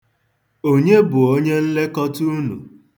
Onye bụ onyenlekọta unu?